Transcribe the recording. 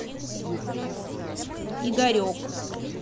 игорек